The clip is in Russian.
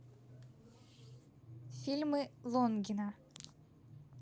фильмы лунгина